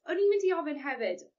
o'n i'n mynd i ofyn hefyd